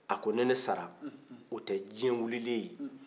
a ko ni ne sara o tɛ diɲɛ wililen ye